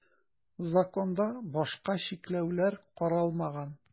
Законда башка чикләүләр каралмаган.